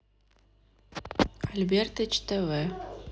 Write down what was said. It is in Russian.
альбертыч тв